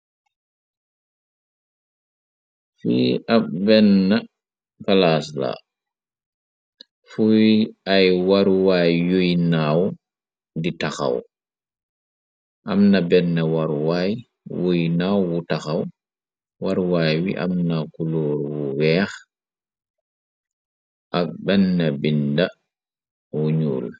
Fi ab benn balasla fuy ay warwaay yuy naw di taxaw am na benn warwaay wuy naw wu taxaw warwaay wi am na kulóor wu weex ak benn binda wu ñuul.